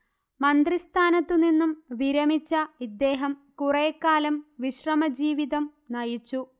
മന്ത്രിസ്ഥാനത്തുനിന്നും വിരമിച്ച ഇദ്ദേഹം കുറേക്കാലം വിശ്രമജീവിതം നയിച്ചു